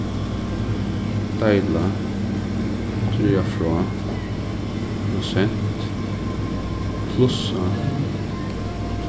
deila draga frá prosent plussa